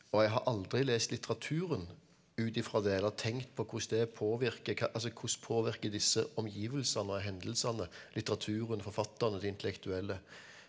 og jeg har aldri lest litteraturen ut ifra det eller tenkt på hvordan det påvirker altså hvordan påvirker disse omgivelsene og hendelsene litteraturen, forfatterne, de intellektuelle?